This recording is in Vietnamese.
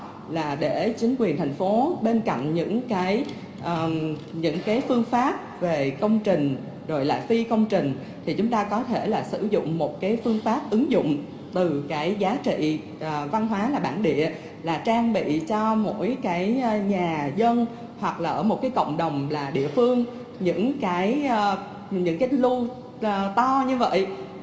là để chính quyền thành phố bên cạnh những cái những cái phương pháp về công trình đổi lại phi công trình thì chúng ta có thể là sử dụng một cái phương pháp ứng dụng từ cái giá trị văn hóa là bản địa là trang bị cho mỗi cái nhà dân hoặc là ở một cái cộng đồng là địa phương những cái ơ những cái lô to như vậy